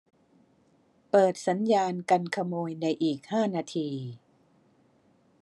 เปิดสัญญาณกันขโมยในอีกห้านาที